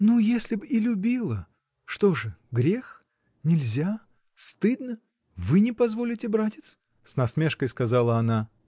— Ну, если б и любила: что же, грех, нельзя, стыдно. вы не позволите, братец? — с насмешкой сказала она.